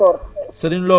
waa ma ne Amady Ba